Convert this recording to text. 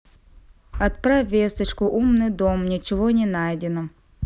отправь весточку умный дом ничего не найдено